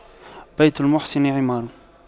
بيت المحسن عمار